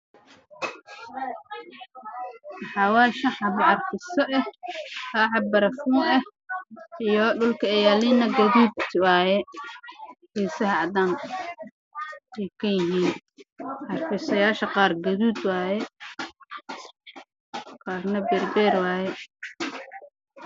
Meeshaan waxaa ka muuqdo shan xabo carfiso ah